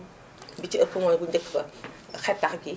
bi ci ëpp mooy bu njëkk ba xetax gi